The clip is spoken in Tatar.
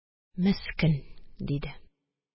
– мескен! – диде